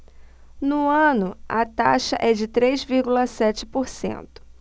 no ano a taxa é de três vírgula sete por cento